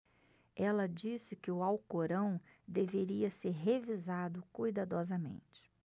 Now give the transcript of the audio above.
ela disse que o alcorão deveria ser revisado cuidadosamente